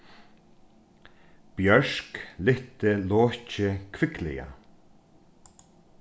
bjørk lyfti lokið kvikliga